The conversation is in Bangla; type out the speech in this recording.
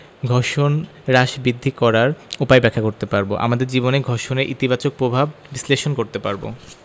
ঘর্ষণ হ্রাস বৃদ্ধি করার উপায় ব্যাখ্যা করতে পারব আমাদের জীবনে ঘর্ষণের ইতিবাচক প্রভাব বিশ্লেষণ করতে পারব